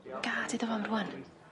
Gad iddo fo am rŵan.